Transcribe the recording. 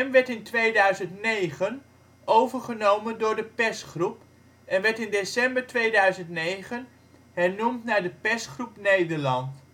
werd in 2009 overgenomen door De Persgroep en werd in december 2009 hernoemd naar De Persgroep Nederland